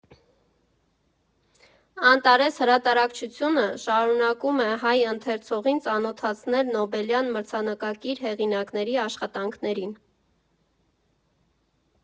«Անտարես» հրատարակչությունը շարունակում է հայ ընթերցողին ծանոթացնել Նոբելյան մրցանակակիր հեղինակների աշխատանքներին։